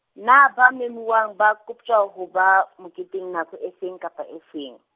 na ba memuwa ba koptjwa ho ba, moketeng nako efeng kapa efeng?